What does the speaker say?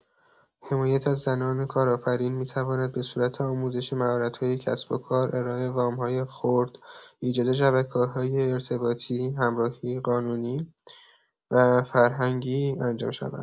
حمایت از زنان کارآفرین می‌تواند به صورت آموزش مهارت‌های کسب‌وکار، ارائه وام‌های خرد، ایجاد شبکه‌های ارتباطی، همراهی قانونی و فرهنگی انجام شود.